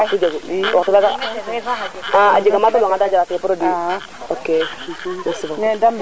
partout jegu a jega tol wangan wage produit merci